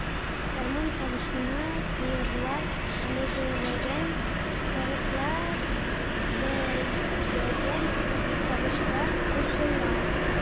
Гармун тавышына сыерлар мөгрәгән, сарыклар бәэлдәгән тавышлар кушыла.